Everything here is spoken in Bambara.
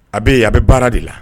A bɛ a bɛ baara de la